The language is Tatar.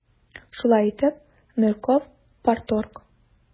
Шулай итеп, Нырков - парторг.